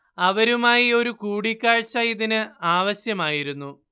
അവരുമായി ഒരു കൂടിക്കാഴ്ച ഇതിന് ആവശ്യമായിരുന്നു